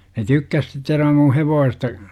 ne tykkäsi sitten sen verran minun hevosesta